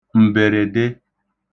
m̀bèrède